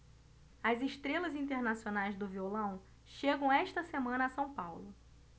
as estrelas internacionais do violão chegam esta semana a são paulo